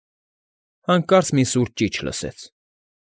Հանկարծ մի սուր ճիչ լսեց։